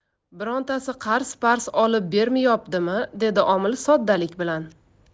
birontasi qarz parz olib bermiyotibdimi dedi omil soddalik bilan